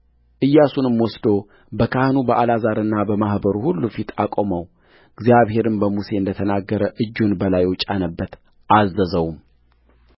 ኢያሱንም ወስዶ በካህኑ በአልዓዛርና በማኅበሩ ሁሉ ፊት አቆመውእግዚአብሔርም በሙሴ እንደ ተናገረ እጁን በላዩ ጫነበት አዘዘውም